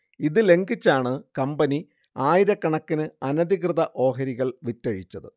ഇതു ലംഘിച്ചാണ് കമ്പനി ആയിരക്കണക്കിന് അനധികൃത ഓഹരികൾ വിറ്റഴിച്ചത്